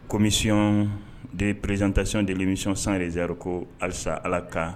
Komisiy de preztesion de misisan zri ko alisa ala kan